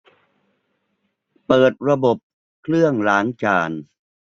เปิดระบบเครื่องล้างจาน